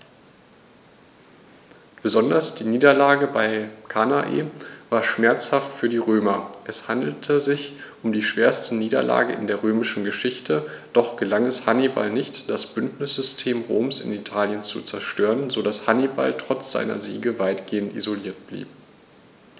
Besonders die Niederlage bei Cannae war schmerzhaft für die Römer: Es handelte sich um die schwerste Niederlage in der römischen Geschichte, doch gelang es Hannibal nicht, das Bündnissystem Roms in Italien zu zerstören, sodass Hannibal trotz seiner Siege weitgehend isoliert blieb.